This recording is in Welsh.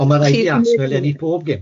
Ond ma' raid i Arsenal ennill pob gêm.